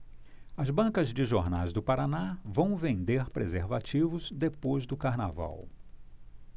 as bancas de jornais do paraná vão vender preservativos depois do carnaval